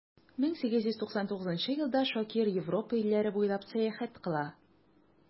1899 елда шакир европа илләре буйлап сәяхәт кыла.